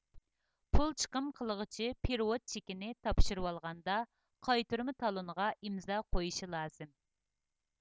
پۇل چىقىم قىلغۇچى پېرېۋوت چېكىنى تاپشۇرۇۋالغاندا قايتۇرما تالونغا ئىمزا قويۇشى لازىم